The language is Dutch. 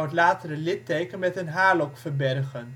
latere litteken met een haarlok verbergen